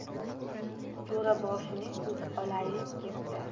jo'raboshining ko'zi olayib ketdi